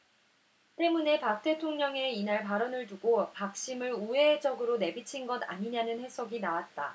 때문에 박 대통령의 이날 발언을 두고 박심 을 우회적으로 내비친 것 아니냐는 해석이 나왔다